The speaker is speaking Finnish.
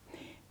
niin